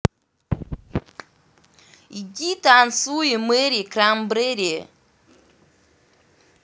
иди танцуем мэри краймбрери